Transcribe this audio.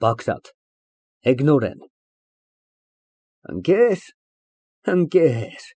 ԲԱԳՐԱՏ ֊ (Հեգնորեն) Ընկեր, հը, ընկեր։